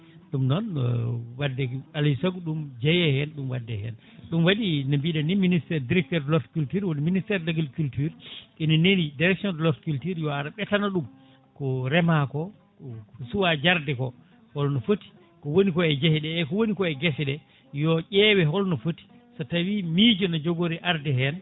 ɗum noon wadde alay saago ɗum jeeye hen ɗum wadde hen ɗum waɗi ne mbiɗen ni ministére directeur de l' horticulture woni ministére d' agriculture ene neeli direction de l' horticulture yo ar ɓetana ɗum ko reema ko kosuwa jarde ko holno foti ko woni ko e jeeheɗe eko woni ko e guese ɗe yo ƴeewe holno foti so tawi miijo ne jogori arde hen